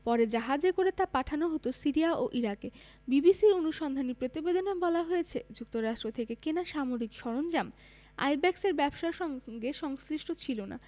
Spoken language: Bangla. পরে জাহাজে করে তা পাঠানো হতো সিরিয়া ও ইরাকে বিবিসির অনুসন্ধানী প্রতিবেদনে বলা হয়েছে যুক্তরাষ্ট্র থেকে কেনা সামরিক সরঞ্জাম আইব্যাকসের ব্যবসার সঙ্গে সংশ্লিষ্ট ছিল না